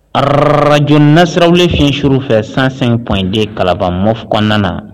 Jna sirawlenfiur fɛ sansan pden kalamof kɔnɔnaɔn na